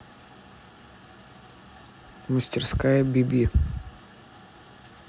мастерская биби